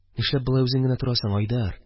Нишләп болай үзең генә торасың, Айдар?